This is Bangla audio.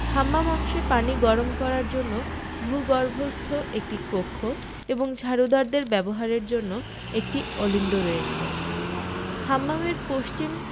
হাম্মাম অংশে পানি গরম করার জন্য ভূগর্ভস্থ একটি কক্ষ এবং ঝাড়ুদারদের ব্যবহারের জন্য একটি অলিন্দ রয়েছে হাম্মামের পশ্চিম